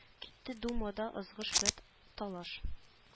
Китте думада ызгыш вә талаш